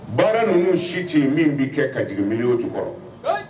Baara ninnu si ci min b'i kɛ a jigin mi o jukɔrɔ